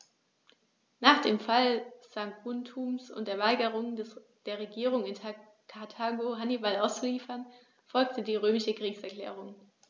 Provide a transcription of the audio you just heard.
Nach dem Fall Saguntums und der Weigerung der Regierung in Karthago, Hannibal auszuliefern, folgte die römische Kriegserklärung.